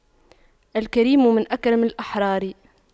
الكريم من أكرم الأحرار